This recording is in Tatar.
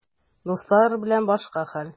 Дуслар белән башка хәл.